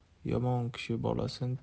yomon kishi bolasin